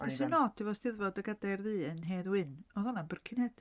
Be sy'n od efo 'Steddfod y Gadair Ddu yn Hedd Wyn, oedd honna yn Birkenhead.